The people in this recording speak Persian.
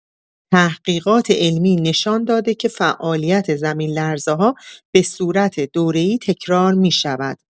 تحقیقات علمی نشان داده که فعالیت زمین‌لرزه‌ها به صورت دوره‌ای تکرار می‌شود.